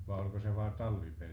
vai oliko se vain talvipeli